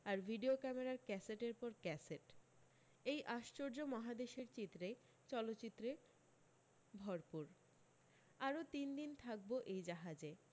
আর video ক্যামেরার ক্যাসেটের পর ক্যাসেট এই আশ্চর্য মহাদেশের চিত্রে চলচিত্রে ভরপুর আরও তিনদিন থাকব এই জাহাজে